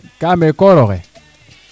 kaame kooroxe